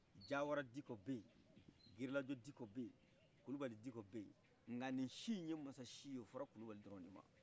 jawara diko beyi girilajɔ diko beyi kulubali diko bei nga ni ci ye masaciye o fɔra kulibali drɔn de ma